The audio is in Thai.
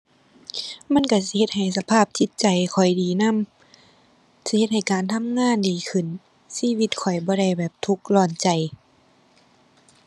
มันก็สิเฮ็ดให้สภาพจิตใจข้อยดีนำ สิเฮ็ดให้การทำงานดีขึ้น ชีวิตข้อยบ่ได้แบบทุกข์ร้อนใจ